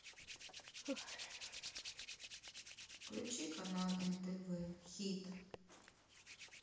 включи канал нтв хит